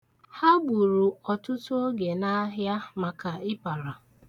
Ha gburu ọtụtụ oge n'ahịa maka ịpara.